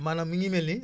maanaam mi ngi mel ni